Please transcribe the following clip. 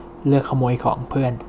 เลือกขโมยของเพื่อน